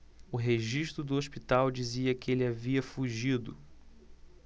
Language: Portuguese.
o registro do hospital dizia que ele havia fugido